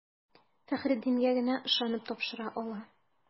Фәхреддингә генә ышанып тапшыра ала.